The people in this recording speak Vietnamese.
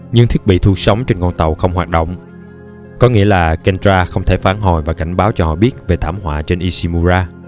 nhưng thiết bị thu sóng trên con tàu không hoạt động có nghĩa là kendra không thể phản hồi và cảnh báo cho họ biết về thảm họa trên ishimura